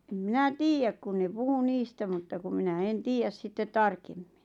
en minä tiedä kun ne puhui niistä mutta kun minä en tiedä sitten tarkemmin